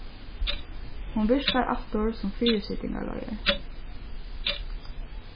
hon virkar aftur sum fyrisitingarleiðari